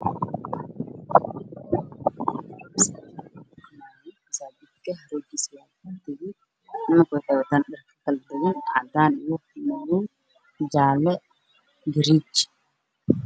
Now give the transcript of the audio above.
Waa niman tukanaayo